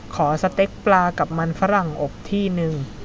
ขอสเต็กปลากับมันฝรั่งอบที่หนึ่ง